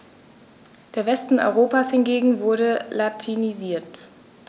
Der Westen Europas hingegen wurde latinisiert.